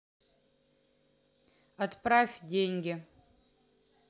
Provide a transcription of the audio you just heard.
отправь деньги